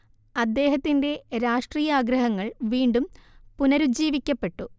അദ്ദേഹത്തിന്റെ രാഷ്ട്രീയാഗ്രഹങ്ങൾ വീണ്ടും പുനരുജ്ജീവിക്കപ്പെട്ടു